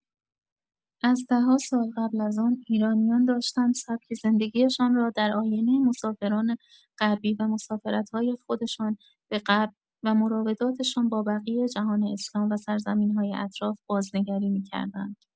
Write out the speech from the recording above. از ده‌ها سال قبل از آن، ایرانیان داشتند سبک زندگیشان را در آینه مسافران غربی و مسافرت‌های خودشان به غرب و مراوداتشان با بقیه جهان اسلام و سرزمین‌های اطراف، بازنگری می‌کردند.